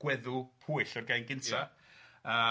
Gweddw Pwyll o'r gain gynta... Ia.